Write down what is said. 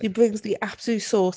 She brings the absolute sauce.